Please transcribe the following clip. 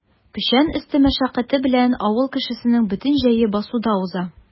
Печән өсте мәшәкате белән авыл кешесенең бөтен җәе басуда уза.